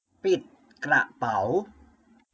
ปิดกระเป๋า